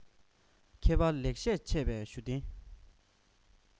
མཁས པ ལེགས བཤད འཆད པའི ཞུ རྟེན